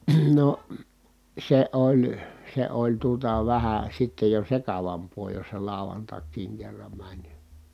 no se oli se oli tuota vähän sitten jo sekavampaa jos se lauantaikin kerran meni